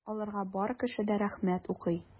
Аларга бар кеше дә рәхмәт укый.